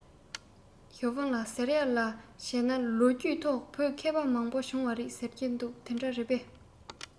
ཞའོ ཧྥུང ལགས ཟེར ཡས ལ བྱས ན ལོ རྒྱུས ཐོག བོད ལ མཁས པ མང པོ བྱུང བ རེད ཟེར གྱིས དེ འདྲ རེད པས